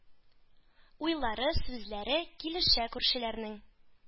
Уйлары, сүзләре килешә күршеләрнең.